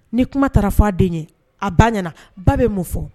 Nii kuma taara fɔ a denkɛ a ba ɲ ba bɛ mun fɔ